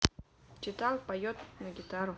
читал поет на гитару